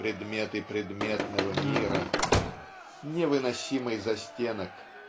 предметы предметного мира" -- невыносимый застенок